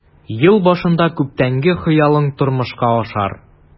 Ел башында күптәнге хыялың тормышка ашар.